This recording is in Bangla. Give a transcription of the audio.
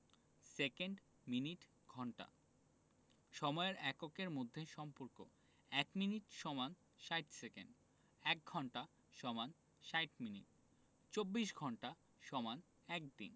সেকেন্ড মিনিট ঘন্টা সময়ের এককের মধ্যে সম্পর্ক ১ মিনিট = ৬০ সেকেন্ড ১ঘন্টা = ৬০ মিনিট ২৪ ঘন্টা = ১ দিন